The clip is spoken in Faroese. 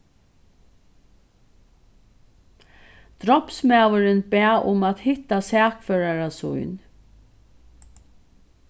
drápsmaðurin bað um at hitta sakførara sín